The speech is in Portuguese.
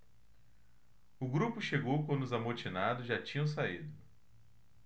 o grupo chegou quando os amotinados já tinham saído